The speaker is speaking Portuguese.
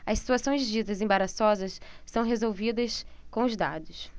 as situações ditas embaraçosas são resolvidas com os dados